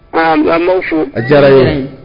An maaw fo a diyara ye